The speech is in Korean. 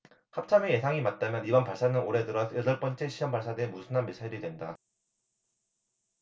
합참의 예상이 맞다면 이번 발사는 올해 들어 여덟 번째 시험발사된 무수단 미사일이 된다